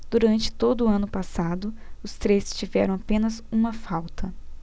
durante todo o ano passado os três tiveram apenas uma falta